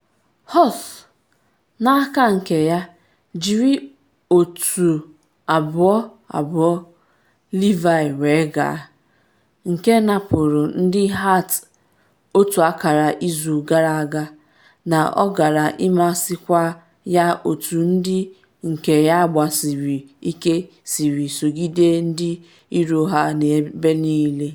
Holt, n’aka nke ya, jiri otu 11 Livi wee gaa, nke napụrụ ndị Hearts otu akara izu gara aga, na ọ gaara ịmasịkwa ya otu ndị nke ya gbasiri ike siri sogide ndị iro ha n’ebe niile.